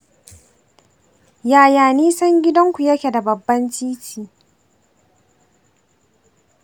yaya nisan gidanku yake da babban titi?